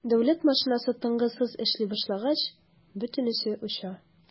Дәүләт машинасы тынгысыз эшли башлагач - бөтенесе оча.